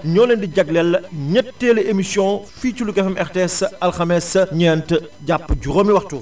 ñoo leen di jagleel ñetteelu émission fii ci Louga FM RTS alxames ñeent jàpp juróomi waxtu